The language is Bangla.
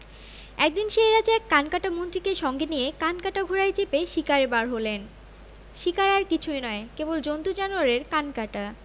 একদিন সেই রাজা এক কান মন্ত্রীকে সঙ্গে নিয়ে কানকাটা ঘোড়ায় চেপে শিকারে বার হলেন শিকার আর কিছুই নয় কেবল জন্তু জানোয়ারের কান কাটা